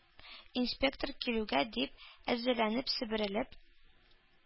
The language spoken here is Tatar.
Инспектор килүгә дип әзерләнеп себерелеп